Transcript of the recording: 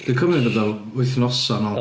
Dwi'n cymryd bod o wythnosau nôl?